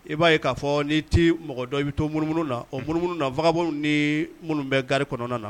I b'a ye k'a fɔ n'i tɛ mɔgɔ dɔn, i bɛ to munumunu na, o munumunu vagabond ni minnu bɛ carré kɔnɔna na, unh